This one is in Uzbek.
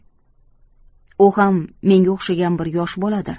u ham menga o'xshagan bir yosh boladir